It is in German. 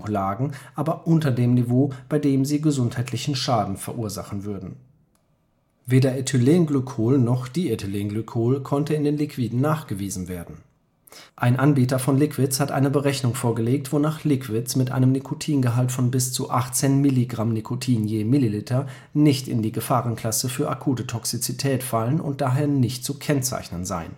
lagen, aber unter dem Niveau, bei dem sie gesundheitlichen Schaden verursachen würden. Weder Ethylenglycol noch Diethylenglycol konnte in den Liquiden nachgewiesen werden. Ein Anbieter von Liquids hat eine Berechnung vorgelegt, wonach Liquids mit einem Nikotingehalt von bis zu 18 Milligramm Nikotin je Milliliter nicht in die Gefahrenklasse für akute Toxizität fallen und daher nicht zu kennzeichnen seien